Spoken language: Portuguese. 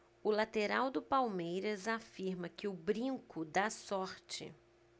o lateral do palmeiras afirma que o brinco dá sorte